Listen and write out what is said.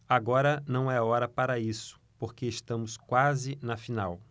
agora não é hora para isso porque estamos quase na final